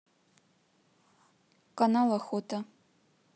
канал охота